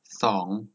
สอง